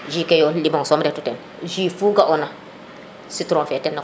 jus keyo limon soom retu teen jus fu ga ona citron fe na xupa